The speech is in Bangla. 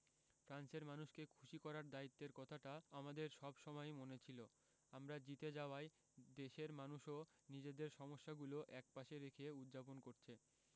ফ্রান্সের মানুষকে খুশি করার দায়িত্বের কথাটা আমাদের সব সময়ই মনে ছিল আমরা জিতে যাওয়ায় দেশের মানুষও নিজেদের সমস্যাগুলো একপাশে রেখে উদ্ যাপন করছে